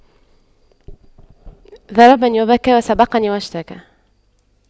ضربني وبكى وسبقني واشتكى